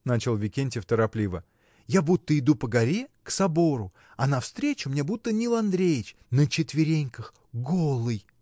— начал Викентьев торопливо, — я будто иду по горе, к собору, а навстречу мне будто Нил Андреич, на четвереньках, голый.